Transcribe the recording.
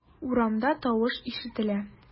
Урамда тавыш ишетелә.